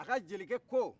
a ka jelikɛ ko